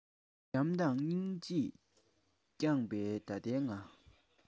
བྱམས དང སྙིང རྗེས བསྐྱང པས ད ལྟའི ང